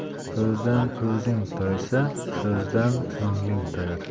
ko'zdan ko'zing toysa so'zdan ko'ngling toyar